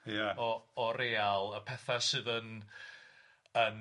o real y petha' sydd yn yn